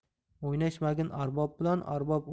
o'ynashmagin arbob bilan arbob